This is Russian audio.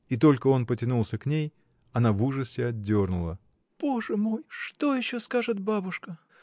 И только он потянулся к ней, она в ужасе отдернула. — Боже мой! Что еще скажет бабушка!